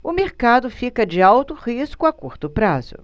o mercado fica de alto risco a curto prazo